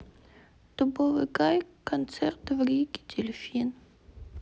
дубовый гай концерт в риге дельфин